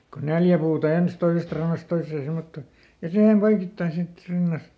kun neljä puuta ensin toisesta rannasta toiseen semmottoon ja siihen poikittain sitten -